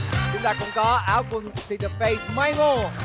chúng ta cũng có á quân thi dơ phây mai ngô